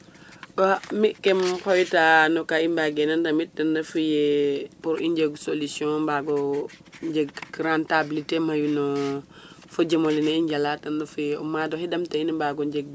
E mi' keem xoyta no ka i mbaageena o ndamit ten refu ye pour i njeg solution mbaag o njeg rentabliter mayu no fa jem ole i njala ten refu ye o maad o xe damta'in i mbaag o njeg.